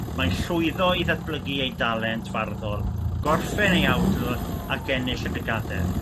mae'n llwyddo i ddatblygu ei dalent farddol gorffen ei awdl ac ennill y gader